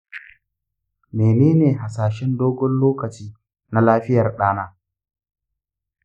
menene hasashen dogon lokaci na lafiyar ɗana?